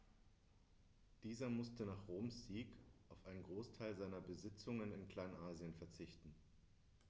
Dieser musste nach Roms Sieg auf einen Großteil seiner Besitzungen in Kleinasien verzichten.